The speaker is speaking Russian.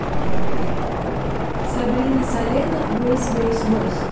сабрина салена бойс бойс бойс